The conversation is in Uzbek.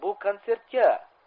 bu kontsertga